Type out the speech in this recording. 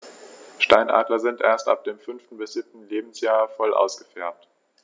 Steinadler sind erst ab dem 5. bis 7. Lebensjahr voll ausgefärbt.